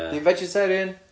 'di hi'n vegetarian?